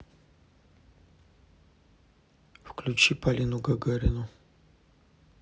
включи полину гагарину